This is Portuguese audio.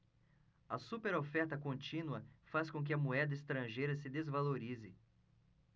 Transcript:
a superoferta contínua faz com que a moeda estrangeira se desvalorize